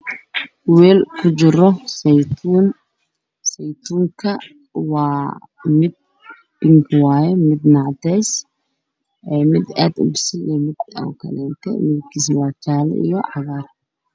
Weel ku jiro saytuun . Saytuunka waa mid binki waaye midna cadays mid aad u bisil iyo mid oo kaleete midabkiisa waa jaalle iyo cagaar.